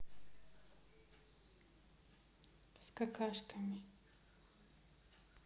с какашками